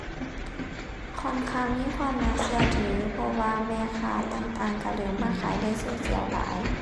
ค่อนข้างมีความน่าเชื่อถือเพราะว่าแม่ค้าต่างต่างเชื่อเริ่มมาขายใน social หลาย